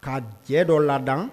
Ka jɛ dɔ la